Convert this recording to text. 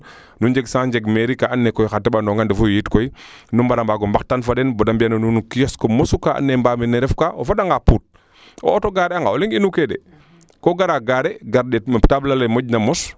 nu njeg chance njeg mairie kaa ando naye xa teɓanong a ndefu yo yit koy nu mbara mbaago mbaxtaan fa den bada mbiya na nuun kisk mosu kaa ando naye mbamir ne ref kaa o fada nga Pout o auto garer naga o leŋ inu kee de ko gara gaare gar ndeet table ale moƴna mos